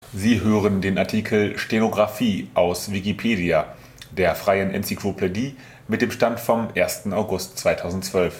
Sie hören den Artikel Stenografie, aus Wikipedia, der freien Enzyklopädie. Mit dem Stand vom Der